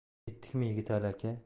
ketdikmi yigitali aka